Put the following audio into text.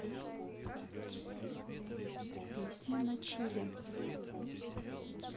песня на чиле